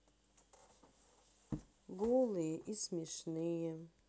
голые и смешные